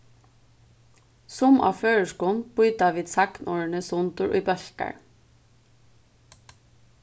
sum á føroyskum býta vit sagnorðini sundur í bólkar